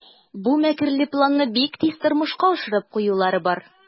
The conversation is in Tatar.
Бу мәкерле планны бик тиз тормышка ашырып куюлары бар.